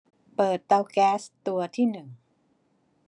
เปิดเตาแก๊สตัวที่หนึ่ง